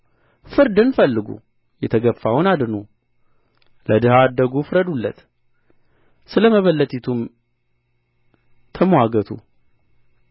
ፍርድን ፈልጉ የተገፋውን አድኑ ለድሀ አደጉ ፍረዱለት ስለ መበለቲቱም ተምዋገቱ